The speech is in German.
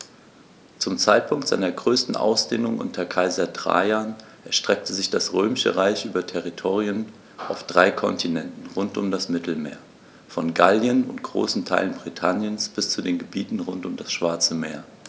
Zum Zeitpunkt seiner größten Ausdehnung unter Kaiser Trajan erstreckte sich das Römische Reich über Territorien auf drei Kontinenten rund um das Mittelmeer: Von Gallien und großen Teilen Britanniens bis zu den Gebieten rund um das Schwarze Meer.